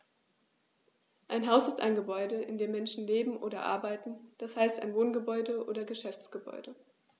Ein Haus ist ein Gebäude, in dem Menschen leben oder arbeiten, d. h. ein Wohngebäude oder Geschäftsgebäude.